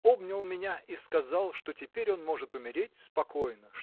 обнял меня и сказал, что теперь он может умереть спокойно